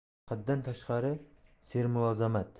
haddan tashqari sermulozamat